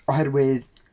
Oherwydd...